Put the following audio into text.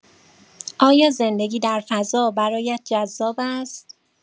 آیا زندگی در فضا برایت جذاب است؟